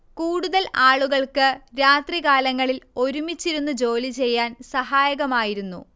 കൂടുതൽ ആളുകൾക്ക് രാത്രികാലങ്ങളിൽ ഒരുമിച്ചിരുന്ന് ജോലിചെയ്യാൻ സഹായകമായിരുന്നു